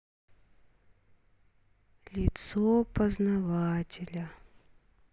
лицо познавателя